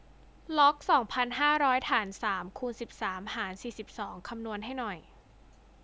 ล็อกสองพันห้าร้อยฐานสามคูณสิบสามหารสี่สิบสองคำนวณให้หน่อย